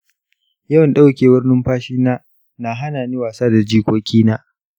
yawan ɗaukewar numfashina na hanani wasa da jikokina